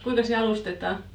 kuinka se alustetaan